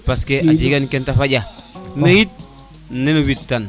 parce que a jega ken te fa ƴate yit neno wid tan